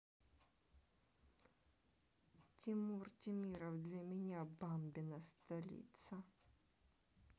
тимур темиров для меня бамбина столица